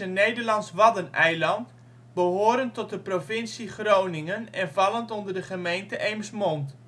Nederlands waddeneiland, behorend tot de provincie Groningen en vallend onder de gemeente Eemsmond